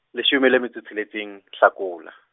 leshome le metso e tsheletseng, Hlakola.